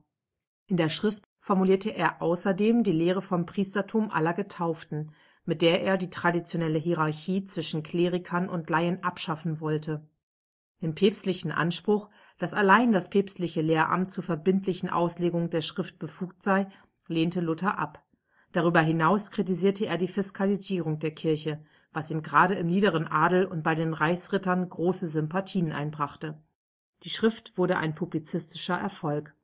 In der Schrift formulierte er außerdem die Lehre vom Priestertum aller Getauften, mit der er die traditionelle Hierarchie zwischen Klerikern und Laien abschaffen wollte. Den päpstlichen Anspruch, dass allein das päpstliche Lehramt zur verbindlichen Auslegung der Schrift befugt sei, lehnte Luther ab. Darüber hinaus kritisierte er die Fiskalisierung der Kirche, was ihm gerade im niederen Adel und bei den Reichsrittern große Sympathien einbrachte. Die Schrift wurde ein publizistischer Erfolg